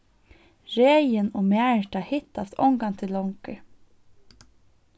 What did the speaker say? regin og marita hittast ongantíð longur